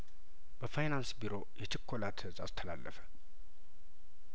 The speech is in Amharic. በፋይናንስ ቢሮ የችኮላ ትእዛዝ ተላለፈ